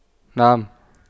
نعم